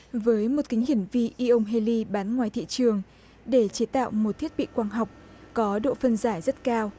với một kính hiển vi i ông he li bán ngoài thị trường để chế tạo một thiết bị quang học có độ phân giải rất cao